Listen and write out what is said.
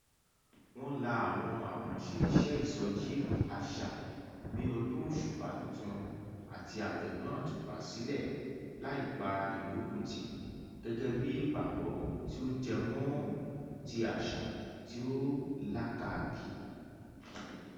Wọ́n la àwọn àkànṣe iṣẹ́ ìsọjí àṣà bíi Ọdún Òṣùpá Tuntun àti Àjọ̀dún Àtùpà sílẹ̀, láì pa ìyìókù tì, gẹ́gẹ́ bí ìpàgọ́ tí ó jẹ mọ́ ti àṣà tí ó lákaakì.